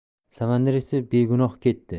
samandar esa begunoh ketdi